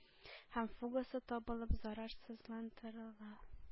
Һәм фугасы табылып, зарарсызландырыла.